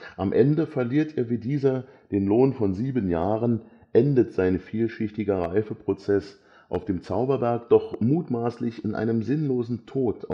Am Ende verliert er wie dieser den Lohn von sieben Jahren, endet sein vielschichtiger Reifeprozess auf dem Zauberberg doch mutmaßlich in einem sinnlosen Tod